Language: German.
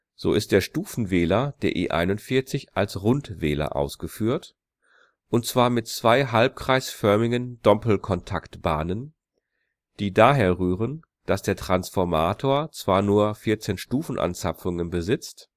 So ist der Stufenwähler der E 41 als Rundwähler ausgeführt, und zwar mit zwei halbkreisförmigen Doppelkontaktbahnen, die daher rühren, dass der Transformator zwar nur 14 Stufenanzapfungen besitzt